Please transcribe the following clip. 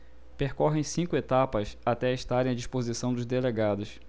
percorrem cinco etapas até estarem à disposição dos delegados